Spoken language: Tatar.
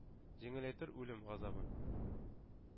Җиңеләйтер үлем газабын,